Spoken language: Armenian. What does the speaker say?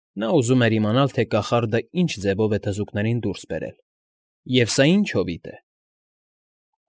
Նա ուզում էր իմանալ, թե կախարդն ի՞նչ ձևով է թզուկներին դուրս բերել, և սա ի՞նչ հովիտ է։